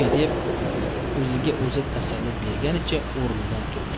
deb o'ziga o'zi tasalli berganicha o'rnidan turdi